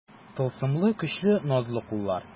Тылсымлы, көчле, назлы куллар.